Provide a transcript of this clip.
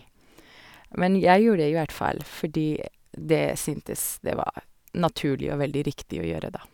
Men jeg gjorde det i hvert fall fordi det syntes det var naturlig og veldig riktig å gjøre da.